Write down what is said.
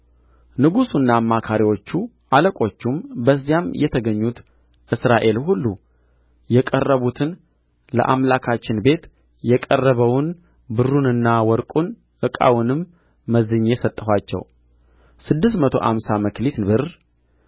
ንጉሡና አማካሪዎቹ አለቆቹም በዚያም የተገኙት እስራኤል ሁሉ ያቀረቡትን ለአምላካችን ቤት የቀረበውን ብሩንና ወርቁን ዕቃውንም መዝኜ ሰጠኋቸው ስድስት መቶ አምሳ መክሊት ብር